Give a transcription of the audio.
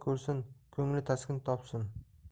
ko'rsin ko'ngli taskin topsin